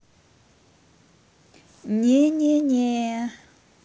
не не не